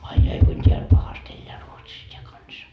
ai ai kuinka täällä pahasti elää Ruotsissa tämä kansa